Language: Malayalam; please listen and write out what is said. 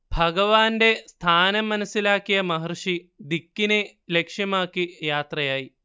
ഭഗവാന്റെ സ്ഥാനം മനസ്സിലാക്കിയ മഹർഷി ദിക്കിനെ ലക്ഷ്യമാക്കി യാത്രയായി